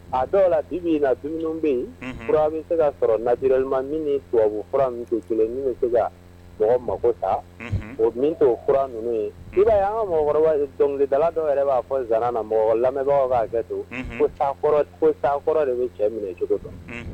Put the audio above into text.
A dɔw la bi min na bi bɛ yen fura bɛ se ka sɔrɔ nadiralilima min ni tubabubu fura kelen se ka mɔgɔ mako ta o min ninnu ye an ka mɔgɔkɔrɔba dɔnkili dala dɔw yɛrɛ b'a fɔ zan na mɔgɔ lamɛn b'a to de bɛ cɛ minɛ cogo kan